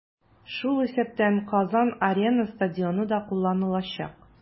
Шул исәптән "Казан-Арена" стадионы да кулланылачак.